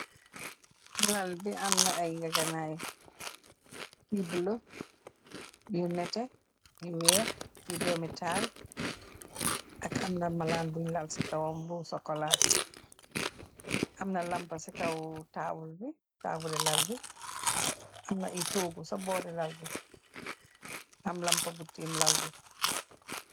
Lalbi amna ay gegeenaay yu bule, yu nete, yu weex, yu domitahal, ak amna malan bung lal si kawam bu sokula, amna lampa si kaw tabul bi, tabuli lalbi, amna ay toogu sa boori lalbi, am lampa bu tiim lalbi